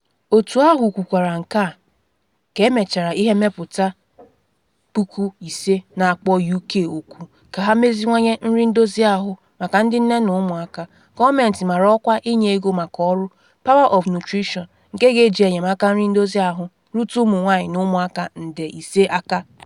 Otu ahụ kwukwara nke a ka emechara ihe mmepụta 5,000, na-akpọ U.K oku ka ha meziwanye nri ndozi ahụ maka ndị nne na ụmụaka, gọọmentị mara ọkwa inye ego maka ọrụ, Power of Nutrition, nke ga-eji enyemaka nri ndozi ahụ rute ụmụ-nwanyị na ụmụaka nde 5 aka.